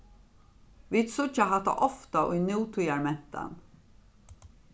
vit síggja hatta ofta í nútíðarmentan